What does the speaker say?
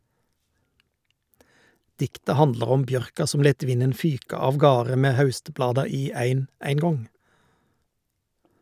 Diktet handlar om bjørka som let vinden fyka avgarde med haustblada i ein eingong.